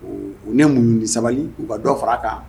U ne mun sabali u' dɔ fara a kan